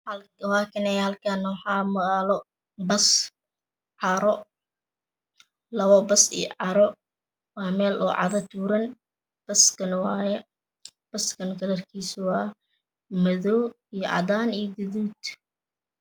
Mashan wax yalo labo bas kalar kode waa madow iyo cadan iyo gadud